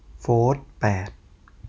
โฟธแปด